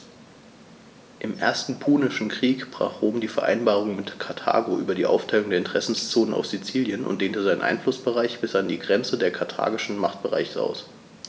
Im Ersten Punischen Krieg brach Rom die Vereinbarung mit Karthago über die Aufteilung der Interessenzonen auf Sizilien und dehnte seinen Einflussbereich bis an die Grenze des karthagischen Machtbereichs aus.